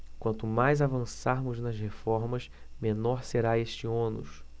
quanto mais avançarmos nas reformas menor será esse ônus